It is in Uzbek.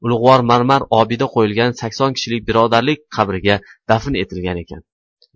ulug'vor marmar obida qo'yilgan sakson kishilik birodarlik qabriga dafn etilgan ekan